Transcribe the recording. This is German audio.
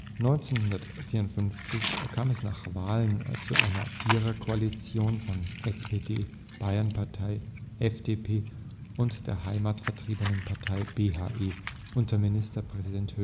1954 kam es nach Wahlen zu einer Viererkoalition von SPD, Bayernpartei, FDP und der Heimatvertriebenenpartei BHE unter Ministerpräsident